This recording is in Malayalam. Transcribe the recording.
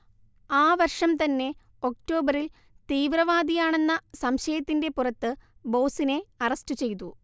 ആ വർഷം തന്നെ ഒക്‌ടോബറിൽ തീവ്രവാദിയാണെന്ന സംശയത്തിന്റെ പുറത്ത് ബോസിനെ അറസ്റ്റ് ചെയ്തു